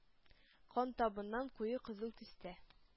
Кан табыннан куе кызыл төстә